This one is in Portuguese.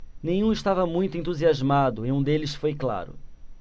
nenhum estava muito entusiasmado e um deles foi claro